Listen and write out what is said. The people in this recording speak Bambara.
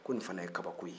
ko nin fana ye kabako ye